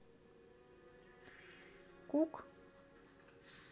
кук